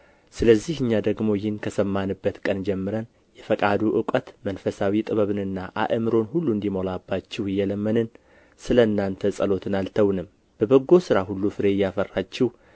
ስለዚሁ እኛ ደግሞ ይህን ከሰማንበት ቀን ጀምረን የፈቃዱ እውቀት መንፈሳዊ ጥበብንና አእምሮን ሁሉ እንዲሞላባችሁ እየለመንን ስለ እናንተ ጸሎትን አልተውንም በበጎ ሥራ ሁሉ ፍሬ እያፈራችሁ